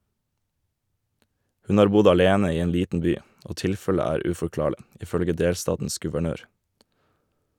Hun har bodd alene i en liten by , og tilfellet er uforklarlig , ifølge delstatens guvernør.